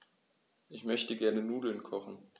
Ich möchte gerne Nudeln kochen.